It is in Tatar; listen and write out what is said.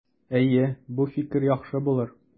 Әйе, бу фикер яхшы булыр.